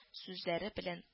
Сүзләре белән